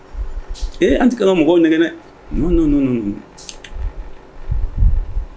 Ee, an tɛ kana mɔgɔw nɛgɛ dɛ non, non, non